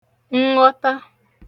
nghọta